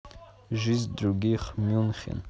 жизнь других мюнхен